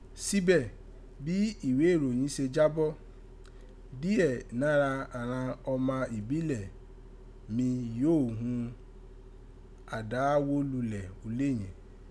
Síbẹ̀, bí ìwé ìròyẹ̀n se jábọ̀, díẹ̀ nára àghan ọma ìbílẹ̀ mi yọ̀ ghún àdàwólulẹ̀ ulé yẹ̀n.